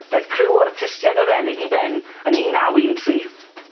Daeth criw o artistied Arennig i ben yn un naw un tri.